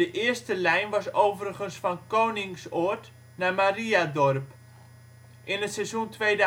eerste lijn was overigens van Koningsoord naar Mariadorp. In het seizoen 2008-2009